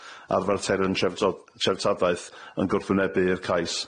ar fater yn shefto- sheftadaeth yn gwrthwynebu'r cais.